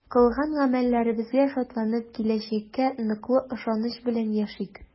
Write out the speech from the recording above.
Кылган гамәлләребезгә шатланып, киләчәккә ныклы ышаныч белән яшик!